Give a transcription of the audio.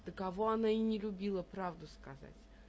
Да кого она и не любила, правду сказать!